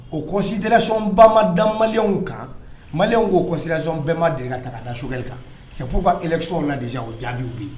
O kɔsidirasonon bamada maliw kan mali wo kɔ sirarasonon bɛɛba deli ka da sokɛkali kan sabu'u ka esɔnw ladi o jaabiw bɛ yen